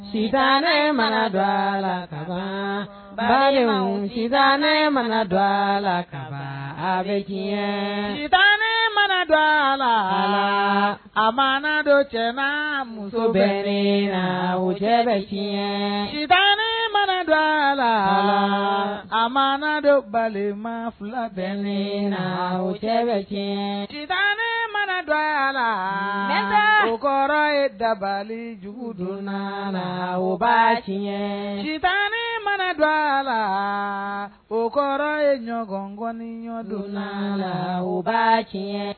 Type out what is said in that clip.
Tan ne mana dɔ la taga ba ne mana dɔ a la ka bɛ jɛgɛ tan ne mana dɔ a la a ma dɔ don jama muso bɛ la wo cɛ bɛ tan mana dɔ a la a ma dɔ bali ma fila bɛ la wo cɛ bɛ diɲɛ tan ne mana dɔ a lasa u kɔrɔ ye dabalijugu don la baɲɛtan ne mana don a la o kɔrɔ ye ɲɔgɔnɔgɔnɔni ɲɔgɔndon la la u base